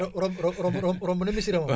ro ro ro romb na Missirah moom